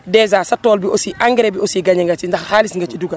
dèjà sa tool bi aussi engrais bi aussi gangé nga ci ndax xaalis nga ci dugal